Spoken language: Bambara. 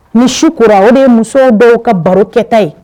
Ni su kora o de ye musow dɔw ka barokɛta ye